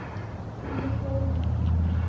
дополни